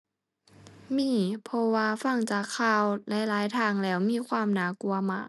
มี เพราะว่าฟังจากข่าวหลายหลายทางแล้วมีความน่ากลัวมาก